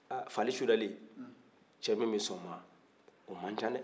aa faali sudannen cɛ min bɛ son o ma o man ca de